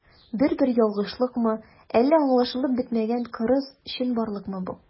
Бер-бер ялгышлыкмы, әллә аңлашылып бетмәгән кырыс чынбарлыкмы бу?